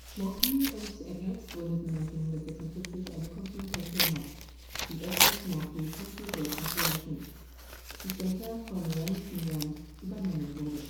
Mauchly und Eckert gründeten 1946 eine Computerfirma, die Eckert-Mauchly Computer Corporation, die später von Remington Rand übernommen wurde